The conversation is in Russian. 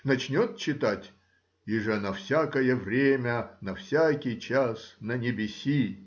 Начнет читать: Иже на всякое время, на всякий час на небеси.